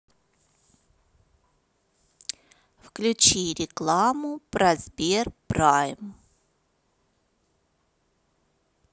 включи рекламу про сберпрайм